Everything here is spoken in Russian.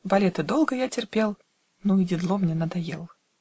Балеты долго я терпел, Но и Дидло мне надоел" .